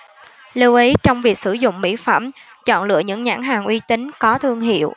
lưu ý trong việc sử dụng mỹ phẩm chọn lựa những nhãn hàng uy tín có thương hiệu